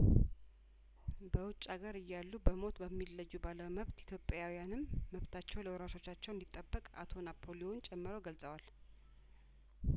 በውጭ ሀገር እያሉ በሞት በሚለዩ ባለመብት ኢትዮጵያውያንም መብታቸው ለወራሾቻቸው እንደሚጠበቅ አቶ ናፖሊዮን ጨምረው ገልጸዋል